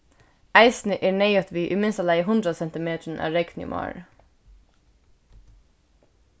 eisini er neyðugt við í minsta lagi hundrað cm av regni um árið